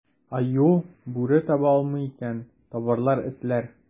Аю, бүре таба алмый икән, табарлар этләр.